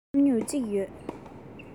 སྐམ སྨྱུག གཅིག ཡོད